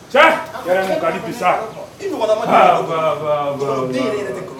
Cɛ bi sa i